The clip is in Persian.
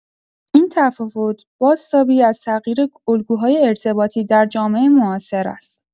این تفاوت، بازتابی از تغییر الگوهای ارتباطی در جامعه معاصر است.